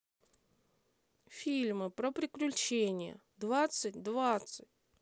фильмы про приключение двадцать двадцать